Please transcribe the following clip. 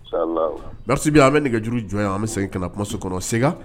Bi an bɛ nɛgɛ juruuru jɔn an bɛ segin ka muso kɔnɔ se